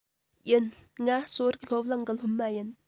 ཡིན ང གསོ རིག སློབ གླིང གི སློབ མ ཡིན